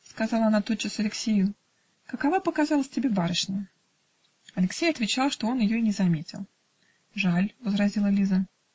-- сказала она тотчас Алексею, -- какова показалась тебе барышня?" Алексей отвечал, что он ее не заметил. "Жаль", -- возразила Лиза.